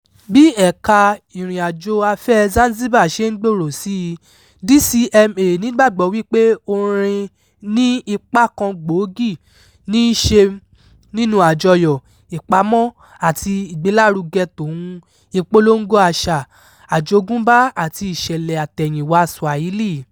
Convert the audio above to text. Bí ẹ̀ka ìrìn-àjò afẹ́ẹ Zanzibar ṣe ń gbèrò sí i, DCMA nígbàgbọ́ wípé orin ní ipa kan gbòógì ní í ṣe nínú àjọyọ̀, ìpamọ́ àti ìgbélárugẹ tòun ìpolongo àṣà, àjogúnbá àti ìṣẹ̀lẹ̀ àtẹ̀yìnwáa Swahili.